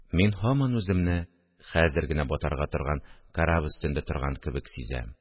Мин һаман үземне хәзер генә батарга торган кораб өстендә торган кебек сизәм